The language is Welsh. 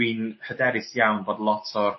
Dwi'n hyderus iawn fod lot o'r